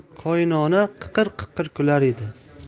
qiqir qiqir kular edi